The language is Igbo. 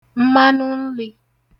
Mmanụ nli